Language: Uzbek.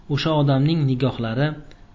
usha odamning nigohlari